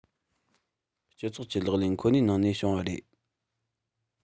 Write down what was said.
སྤྱི ཚོགས ཀྱི ལག ལེན ཁོ ནའི ནང ནས བྱུང བ རེད